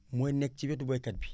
mooy nekk ci wetu baykat bi